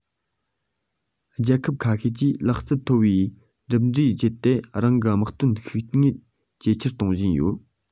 རྒྱལ ཁབ ཁ ཤས ཀྱིས ལག རྩལ མཐོ བའི གྲུབ འབྲས སྤྱད དེ རང གི དམག དོན ཤུགས དངོས ཇེ ཆེར བཏང བཞིན ཡོད